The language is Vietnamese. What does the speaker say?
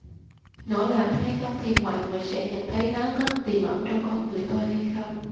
nổi loạn hay không thì mọi người sẽ nhận thấy nó có tiềm ẩn trong con người tôi hay không